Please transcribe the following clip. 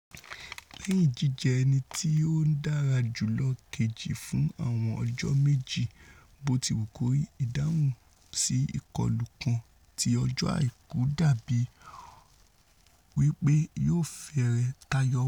Lẹ́yìn jíjẹ́ ẹnití ó dára júlọ kejì fún àwọn ọjọ́ méjì, botiwukori, ìdáhùnsí-ikọlù kan tí ọjọ́ Àìkú dàbí wí pé yóò fẹ́rẹ̀ tayọ wọn.